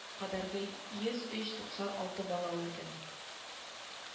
Кадәрге йөз өч туксан алты бала үлгән